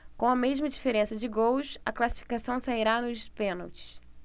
com a mesma diferença de gols a classificação sairá nos pênaltis